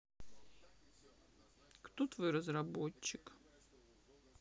кто твой разработчик